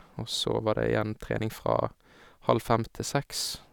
Og så var det igjen trening fra halv fem til seks.